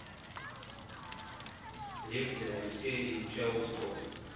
лекции алексея ильича осипова